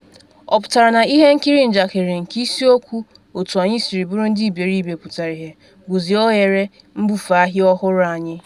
Ọ pụtara na ihe nkiri njakịrị nke isiokwu otu anyị siri bụrụ ndị iberibe pụtara ihie, bụzi oghere nbufe ahịa ọhụrụ anyị?